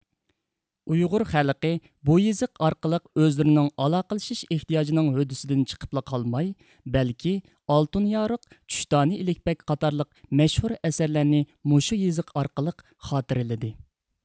ئۇيغۇر خەلقى بۇ يېزىق ئارقىلىق ئۆزلىرىنىڭ ئالاقىلىشىش ئېھتىياجىنىڭ ھۆددىسىدىن چىقىپلا قالماي بەلكى ئالتۇن يارۇق چۈشتانى ئىلىك بىگ قاتارلىق مەشھۇر ئەسەرلەرنى مۇشۇ يېزىق ئارقىلىق خاتىرىلىدى